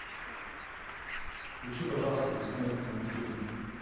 включи пожалуйста диснеевские мультфильмы